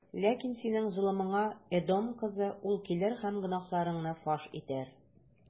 Ләкин синең золымыңа, Эдом кызы, ул килер һәм гөнаһларыңны фаш итәр.